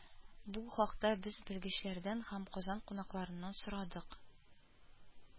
Бу хакта без белгечләрдән һәм Казан кунакларыннан сорадык